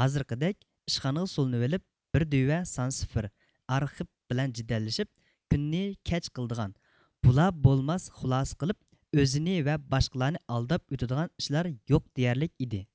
ھازىرقىدەك ئىشخانىغا سولىنىۋىلىپ بىر دۆۋە سان سىفىر ئارخىپ بىلەن جېدەللىشىپ كۈننى كەچ قىلىدىغان بولا بولماس خۇلاسە قىلىپ ئۆزىنى ۋە باشقىلارنى ئالداپ ئۆتىدىغان ئىشلار يوق دېيەرلىك ئىدى